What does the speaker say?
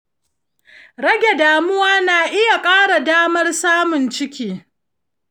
rage damuwa na iya ƙara damar samun ciki.